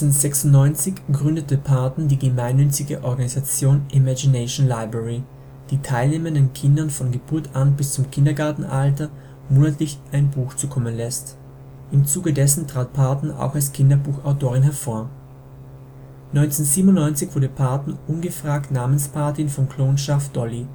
1996 gründete Parton die gemeinnützige Organisation " Imagination Library ", die teilnehmenden Kindern von Geburt an bis zum Kindergartenalter monatlich ein Buch zukommen lässt. Im Zuge dessen trat Parton auch als Kinderbuchautorin hervor. 1997 wurde Parton ungefragt Namenspatin von Klonschaf Dolly